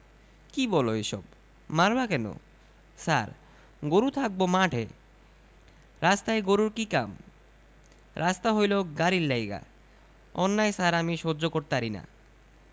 কী বলো এইসব মারবা কেন ছার গরু থাকবো মাঠে রাস্তায় গরুর কি কাম রাস্তা হইলো গাড়ির লাইগা অন্যায় ছার আমি সহ্য করতারিনা